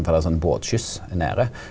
for det var sånn båtskyss nede.